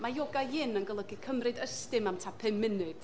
Mae ioga yin yn golygu cymryd ystym am tua pum munud.